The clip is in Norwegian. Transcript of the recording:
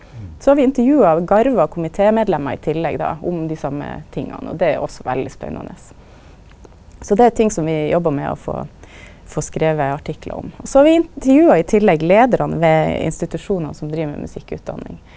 så har vi intervjua garva komitemedlemmer i tillegg då om dei same tinga, og det er også veldig spennande, så det er ting som vi jobbar med å få få skrive artiklar om, og så har vi intervjua i tillegg leiarane ved institusjonar som driv med musikkutdanning.